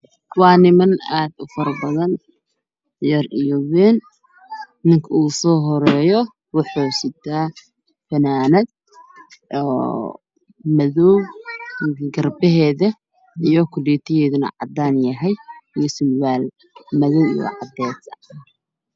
Waa niman aad u faro badan yar iyo wayn. Nimka ugu soo horeeyo waxuu wataa fanaanad madow garbaheeda iyo kuleetigeeda cadaan yahay. Surwaal madow iyo cadeys ah.